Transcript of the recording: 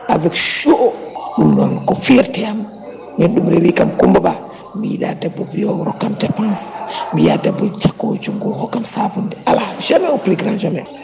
avec seau ɗum ɗon ko fierté am min ɗum rewikam Coumba Ba mi yiiɗa debbo biyowo rokkam dépense mi yyiɗa debbo cakkowo junggo hokkam sabunde ala jamais au plus jamais